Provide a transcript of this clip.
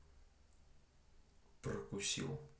прокусил